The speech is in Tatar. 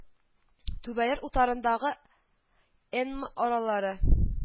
Түбәләр утарындагы энн ма аралары